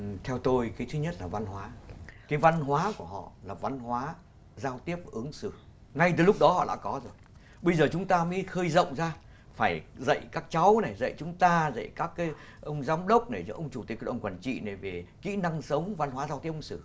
theo tôi cái thứ nhất là văn hóa cái văn hóa của họ là văn hóa giao tiếp ứng xử ngay từ lúc đó họ đã có rồi bây giờ chúng ta mới khơi rộng ra phải dạy các cháu này dạy chúng ta dạy các cái ông giám đốc này cho ông chủ tịch ông quản trị này về kỹ năng sống văn hóa giao tiếp ứng xử